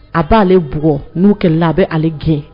A b'ale bugɔ n'u kɛ labɛn ale gɛn